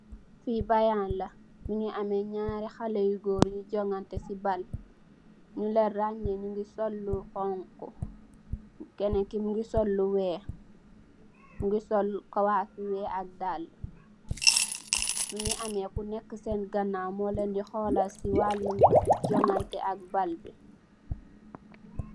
Fii bayaal la, mu ngi am ñaari xalé yu goor yuy jongante si bal. Ñung leen raañe, kenen ki mu ngi sol lu xoñga, kenen ki mu ngi sol lu weex. Mu ngi sol kawaas yu weex ak dallë. Ñu ngi keenë ku neek si ganaawam di ko xolal, si waalu jongante ak bal bi.